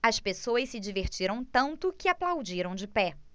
as pessoas se divertiram tanto que aplaudiram de pé